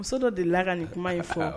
Muso dɔ de laka nin kuma ye fɔ